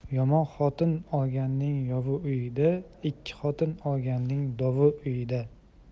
yomon xotin olganning yovi uyida ikki xotin olganning dovi uyida